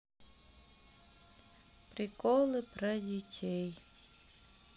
приколы про детей